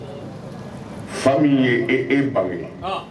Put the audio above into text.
Fa min ye e e ba ye